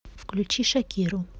включи шакиру